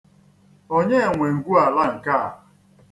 Onye nwe ngwuala nke a?